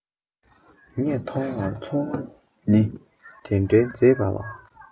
ངས མཐོང བར འཚོ བ ནི འདི འདྲའི འཛེས པ ལ